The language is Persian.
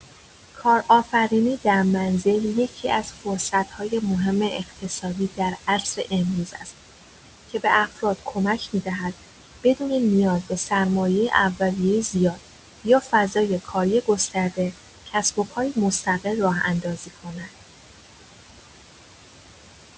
کارآفرینی در منزل یکی‌از فرصت‌های مهم اقتصادی در عصر امروز است که به افراد امکان می‌دهد بدون نیاز به سرمایه اولیه زیاد یا فضای کاری گسترده، کسب‌وکاری مستقل راه‌اندازی کنند.